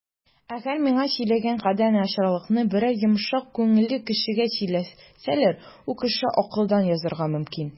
Әгәр миңа сөйләгән кадәр начарлыкны берәр йомшак күңелле кешегә сөйләсәләр, ул кеше акылдан язарга мөмкин.